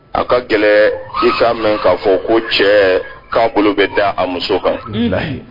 A ka gɛlɛn i'a mɛn k'a fɔ ko cɛ k'an kunkolo bɛ da an muso kan la